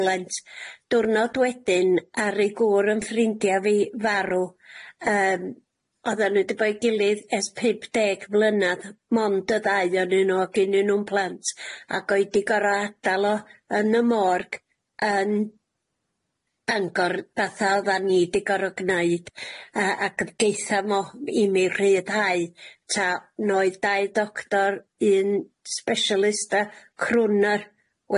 Dwrnod wedyn aru gwr yn ffrindia fi farw, yym odden n'w 'di bod i gilydd ers pump deg mlynadd mond y ddau o'nyn n'w ac o gynnym nw'n plant ac o'i 'di goro adal o yn y morg yn Bangor fatha oddan ni 'di goro gneud, yy ag yy geitha mo- i mi rhyddhau tan oedd dau doctor un sbesialist a crwnar wedi